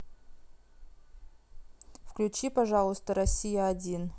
включи пожалуйста россия один